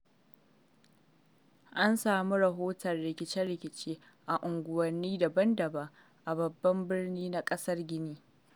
An samu rahotan rikice-rikice a unguwanni dabam-dabam a babban birnin na ƙasar Gini.